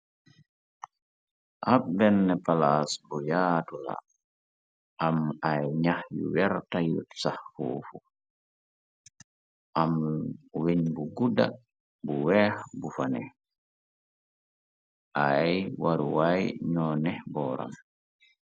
Ab benn palaas bu yaatu la am ay ñax yu wer tayu sax fuufu am wiñ bu guddak bu weex bu fa ne ay waruwaay ñoo nex booram.